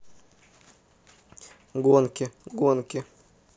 гонки гонки